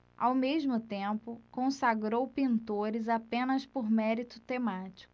ao mesmo tempo consagrou pintores apenas por mérito temático